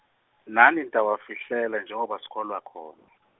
nani nitawafihlela njengoba sikolwa khona.